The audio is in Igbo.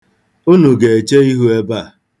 Unu ga-eche ihu ebe a?